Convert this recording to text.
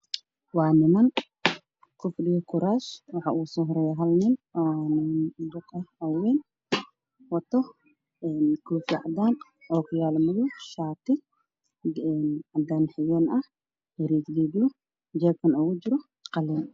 Waa niman kursi ku fadhiyaan waxaan u soo horeeyo nin wata koofi cadaan okiyaalo madow shaati